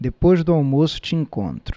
depois do almoço te encontro